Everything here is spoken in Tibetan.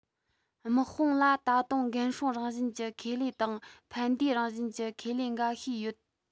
དམག དཔུང ལ ད དུང འགན སྲུང རང བཞིན གྱི ཁེ ལས དང ཕན བདེའི རང བཞིན གྱི ཁེ ལས འགའ ཤས ཡོད